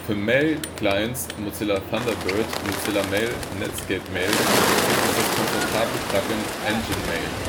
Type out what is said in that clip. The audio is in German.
Mailclients Mozilla Thunderbird, Mozilla Mail und Netscape Mail gibt es das komfortable Plugin Enigmail